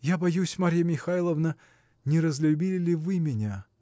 – Я боюсь, Марья Михайловна, не разлюбили ли вы меня?